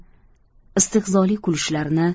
istehzoli kulishlarini